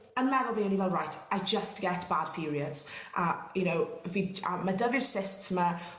yn meddwl fi o'n i fel reit I jyst get bad periods a you know fi j- a ma' 'dy fi'r cysts 'ma